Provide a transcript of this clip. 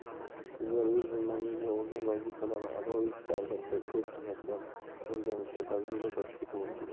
sizlar o'z zimmangizga olgan vazifalarni ado etishda albatta ko'p jihatdan o'rganishga tajriba topishga to'g'ri keladi